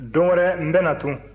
don wɛrɛ n bɛ na tun